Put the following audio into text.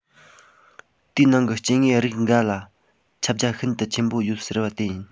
དེའི ནང གི སྐྱེ དངོས རིགས འགའ ལ ཁྱབ རྒྱ ཤིན ཏུ ཆེན པོ ཡོད ཟེར པ དེ ཡིན